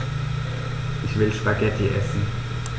Ich will Spaghetti essen.